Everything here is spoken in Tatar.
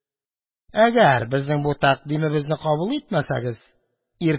Әгәр безнең тәкъдимебезне кабул итмәсәгез,